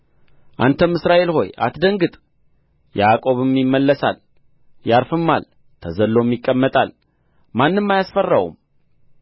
አንተም እስራኤል ሆይ አትደንግጥ ያዕቆብም ይመለሳል ያርፍማል ተዘልሎም ይቀመጣል ማንም አያስፈራውም